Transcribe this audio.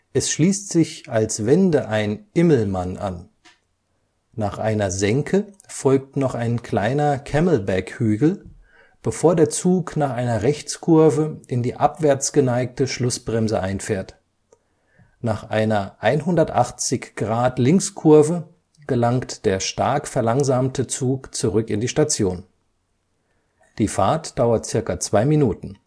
Es schließt sich als Wende ein Immelmann an. Nach einer Senke folgt noch ein kleiner Camelback-Hügel, bevor der Zug nach einer Rechtskurve in die abwärtsgeneigte Schlussbremse einfährt. Nach einer 180-Grad-Linkskurve gelangt der stark verlangsamte Zug zurück in die Station. Die Fahrt dauert ca. zwei Minuten